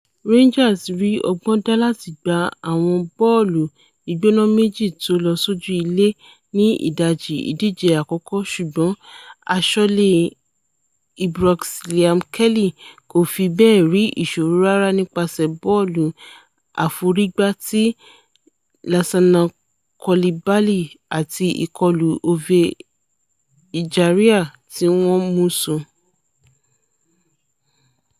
Rangers rí ọgbọ́n dá láti gba àwọn bọ́ọ̀lù gbígbóná méjì tólọ sójú ilé ni ìdajì ìdíje àkọ́kọ́ ṣùgbọ́n aṣọ́lé Ibrox Liam Kelly kòfi bẹ́ẹ̀ rí ìsọro rárá nípaṣẹ̀ bọ́ọ̀lù aforígbá ti Lassana Coulibaly àti ìkọlù Ovie Ejaria tíwọn mú ṣo.